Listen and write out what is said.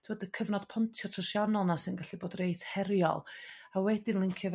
t'od y cyfnod pontio trosianol 'na sy'n gallu bod reit heriol a wedyn lincio